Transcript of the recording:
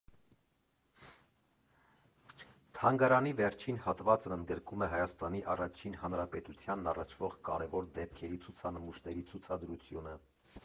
Թանգարանի վերջին հատվածն ընդգրկում է Հայաստանի առաջին Հանրապետությանն առնչվող կարևոր դեպքերի ցուցնմուշների ցուցադրությունը։